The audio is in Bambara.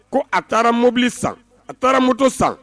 Ko a taara mobili san a taara moto san